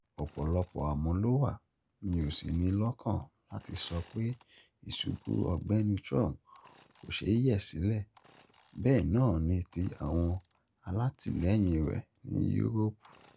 Ọ̀pọ̀lọpọ̀ àmọ́ ló wà, mi ò sì ní lọ́kàn láti sọ pé ìṣubú Ọ̀gbẹ́ni Trump kò ṣeé yẹ̀ sílẹ̀ - bẹ́ẹ̀ náà ni ti àwọn alátìlẹyìn rẹ̀ ní Yúróòpù.